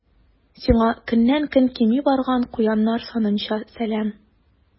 Сиңа көннән-көн кими барган куяннар санынча сәлам.